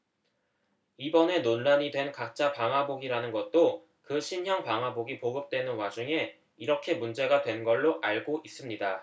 이번에 논란이 된 가짜 방화복이라는 것도 그 신형 방화복이 보급되는 와중에 이렇게 문제가 된 걸로 알고 있습니다